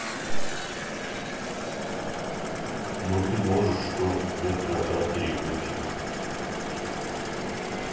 ну ты можешь что сберкота переключить